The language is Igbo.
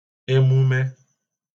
emume